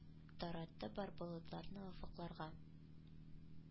Таратты бар болытларны офыкларга.